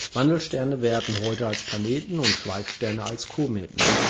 heute Planet) und Schweifsternen (heute Komet